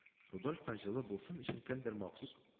Рудольфка җылы булсын өчен кемдер махсус